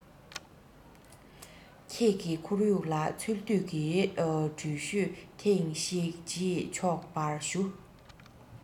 ཁྱེད ཀྱི ཁོར ཡུག ལ འཚོལ སྡུད ཀྱི འགྲུལ བཞུད ཐེངས ཤིག བྱེད ཆོག པར ཞུ